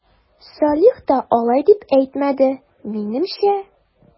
Салих та алай дип әйтмәде, минемчә...